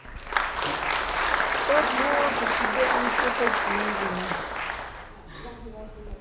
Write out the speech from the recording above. так вот я у тебя не все потеряно